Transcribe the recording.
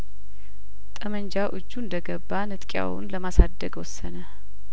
ጠመንጃው እጁ እንደገባ ንጥቂያውን ለማሳደግ ወሰነ